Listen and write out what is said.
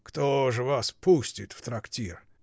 — Кто же вас пустит в трактир?